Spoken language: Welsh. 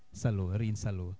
Sylw. Yr un sylw.